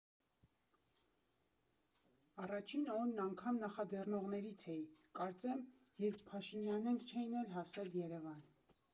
Առաջին օրն անգամ նախաձեռնողներից էի, կարծեմ՝ երբ Փաշինյանենք չէին էլ հասել Երևան։